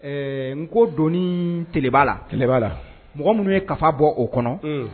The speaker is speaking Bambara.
N ko doni t' la t la mɔgɔ minnu ye ka bɔ o kɔnɔ